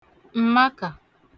m̀makà